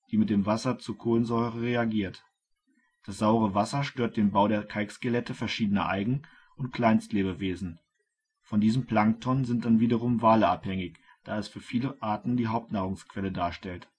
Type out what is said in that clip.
mit dem Wasser zur Kohlensäure reagiert. Das saure Wasser stört den Bau der Kalkskelette verschiedener Algen und Kleinstlebewesen. Von diesem Plankton sind dann wiederum Wale abhängig, da es für viele Arten die Hauptnahrungsquelle darstellt